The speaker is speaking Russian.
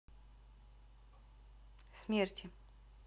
смерти